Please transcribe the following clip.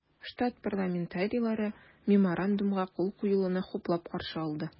Штат парламентарийлары Меморандумга кул куелуны хуплап каршы алды.